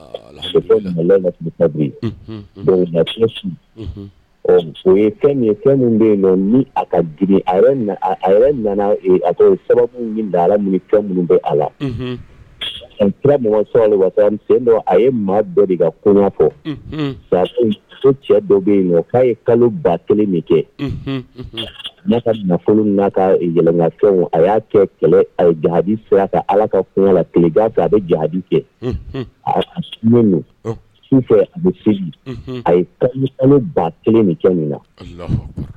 O ye fɛn fɛn minnu bɛ yen a ka nana sababu min ala min fɛn minnu bɛ a la n tora mɔgɔ sɔrɔ dɔ a ye maa dɔ ka kun fɔ cɛ dɔ bɛ yen nɔ k' aa ye kalo ba kelen min kɛ n'a ka nafolo'a kaɛlɛnka fɛn a y'a kɛ a ye jaabi sɔrɔ a ka ala ka kun la kelen a bɛ jaabi kɛ minnu sufɛ bɛ a ye ba kelen ni fɛn min na